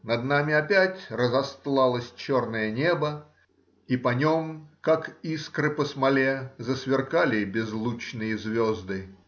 над нами опять разостлалось черное небо, и по нем, как искры по смоле, засверкали безлучные звезды.